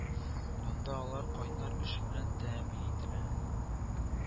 Анда алар кайнар аш белән тәэмин ителә